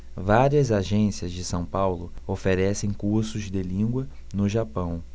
várias agências de são paulo oferecem cursos de língua no japão